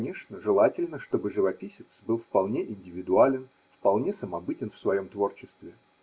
конечно, желательно, чтобы живописен был вполне индивидуален, вполне самобытен в своем творчестве.